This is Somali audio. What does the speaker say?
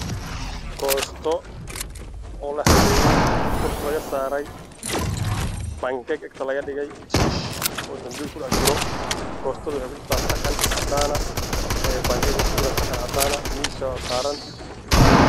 Koosto oo la habeeyay bankeeg inta laga dhigay tiish kudhex jiro miis saaran